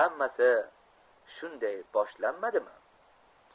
hammasi shunday boshlanmadimi